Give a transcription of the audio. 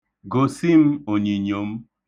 Gosi m onyinyo m.